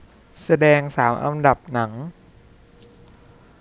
แสดงสามอันดับหนัง